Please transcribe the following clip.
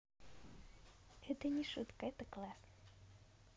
это не шутка это классно